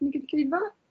yn y gynulleidfa?